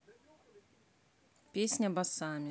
песня басами